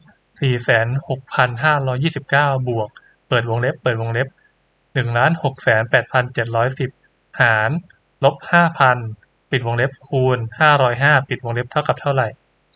สี่แสนหกพันห้าร้อยยี่สิบเก้าบวกเปิดวงเล็บเปิดวงเล็บหนึ่งล้านหกแสนแปดพันเจ็ดร้อยสิบหารลบห้าพันปิดวงเล็บคูณห้าร้อยห้าปิดวงเล็บเท่ากับเท่าไร